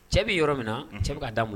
Cɛ bɛ yɔrɔ min na cɛ bɛ ka da bolo